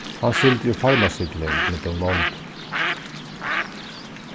hann sigldi í farmasigling millum lond